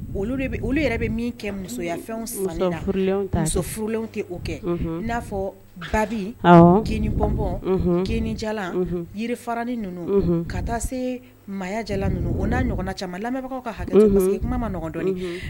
Olu olu yɛrɛ bɛ min kɛ musoyafɛn san na ka musof furulen tɛ o kɛ n'a fɔ babi k bɔnɔnɔn k jala yirifaranin ninnu ka taa se maajala ninnu o n'a ɲɔgɔn caman lamɛnbagaw ka hakɛ se kuma ma nɔgɔdɔ